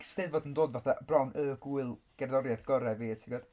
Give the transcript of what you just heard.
'Steddfod yn dod fatha bron y gŵyl gerddoriaeth gorau i fi ti'n gwybod?